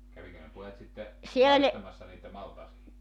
kävikö ne pojat sitten maistamassa niitä maltaita